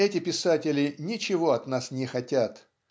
Эти писатели ничего от нас не хотят